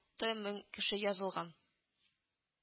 Алты мең кеше язылган